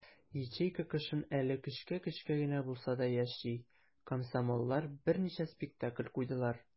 Ячейка кышын әле көчкә-көчкә генә булса да яши - комсомоллар берничә спектакль куйдылар.